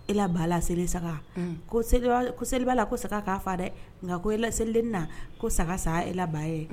E la seli sa seli'a la ko sa saga'a faa dɛ nka ko e la seli ne na ko saga saya e la ba ye